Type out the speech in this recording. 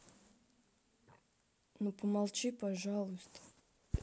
ну помолчи пожалуйста